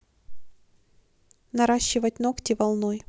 наращивать ногти волной